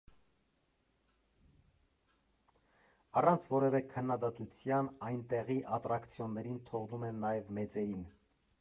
Առանց որևէ քննադատության այնտեղի ատրակցիոններին թողնում են նաև մեծերին։